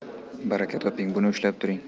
baraka toping buni ushlab turing